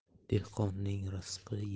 dehqonning rizqi yer